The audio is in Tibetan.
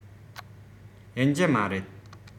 ཡིན གྱི མ རེད